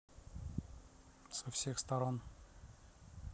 со всех сторон